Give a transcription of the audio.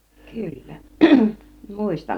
kyllä muistan